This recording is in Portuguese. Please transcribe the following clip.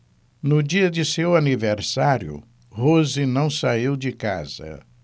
no dia de seu aniversário rose não saiu de casa